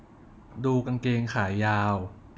ดูกางเกงขายาว